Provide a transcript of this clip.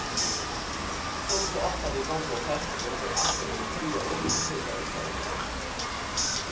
sum so ofta við gomlum fólki fer abbi mín tíðliga upp og tíðliga í song